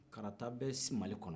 karata bɛ mali kɔnɔ